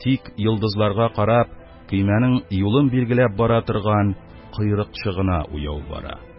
Тик йолдызларга карап, көймәнең юлын билгеләп бара торган койрыкчы гына уяу бара.